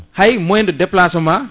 hay moyen de déplacement